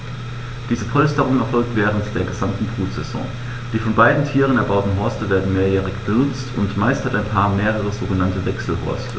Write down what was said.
Diese Polsterung erfolgt während der gesamten Brutsaison. Die von beiden Tieren erbauten Horste werden mehrjährig benutzt, und meist hat ein Paar mehrere sogenannte Wechselhorste.